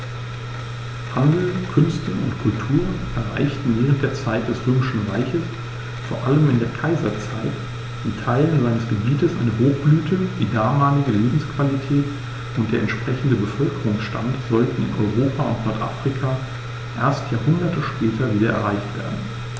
Handel, Künste und Kultur erreichten während der Zeit des Römischen Reiches, vor allem in der Kaiserzeit, in Teilen seines Gebietes eine Hochblüte, die damalige Lebensqualität und der entsprechende Bevölkerungsstand sollten in Europa und Nordafrika erst Jahrhunderte später wieder erreicht werden.